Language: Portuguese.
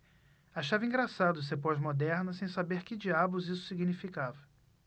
achava engraçado ser pós-moderna sem saber que diabos isso significava